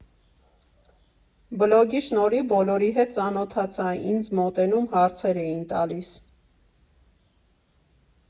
Բլոգի շնորհիվ բոլորի հետ ծանոթացա, ինձ մոտենում, հարցեր էին տալիս։